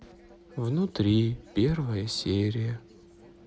внутри первая серия